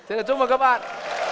xin được chúc mừng các bạn